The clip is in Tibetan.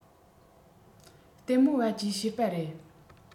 ལྟད མོ བ ཅེས བཤད པ རེད